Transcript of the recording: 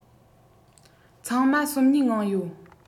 ཚང མ སོམ ཉིའི ངང ཡོད